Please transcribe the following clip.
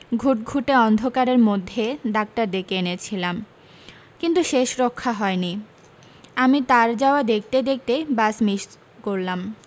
ঘুটঘুটে অন্ধকারের মধ্যে ডাক্তার ডেকে এনেছিলাম কিন্তু শেষ রক্ষা হয়নি আমি তার যাওয়া দেখতে দেখতে বাস মিস করলাম